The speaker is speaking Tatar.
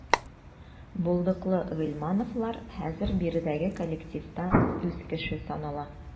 Булдыклы гыйльмановлар хәзер биредәге коллективта үз кеше санала.